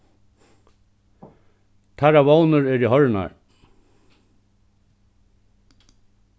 teirra vónir eru horvnar